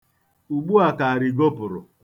Ugbua ka Arigo pụrụ.